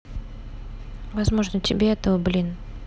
возможно тебе этого блин